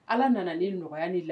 Ala nana ni nɔgɔyaya ni la